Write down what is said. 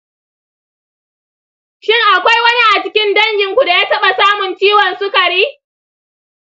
shin akwai wani a cikin danginku da ya taɓa samun ciwon sukari?